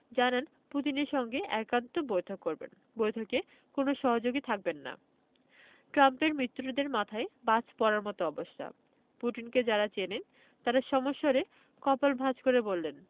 জানান পুতিনের সঙ্গে একান্ত বৈঠক করবেন বৈঠকে কোনো সহযোগী থাকবেন না ট্রাম্পের মিত্রদের মাথায় বাজ পড়ার মতো অবস্থা পুতিনকে যাঁরা চেনেন তাঁরা সমস্বরে কপাল ভাঁজ করে বললেন